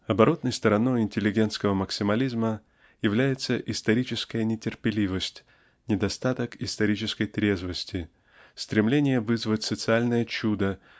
Оборотной стороной интеллигентского максимализма является историческая нетерпеливость недостаток исторической трезвости стремление вызвать социальное чудо